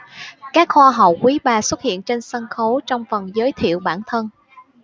các hoa hậu quý bà xuất hiện trên sân khấu trong phần giới thiệu bản thân